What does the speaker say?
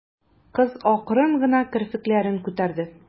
Кыз акрын гына керфекләрен күтәрде.